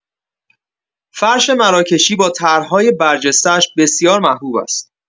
فرش مراکشی با طرح‌های برجسته‌اش بسیار محبوب است.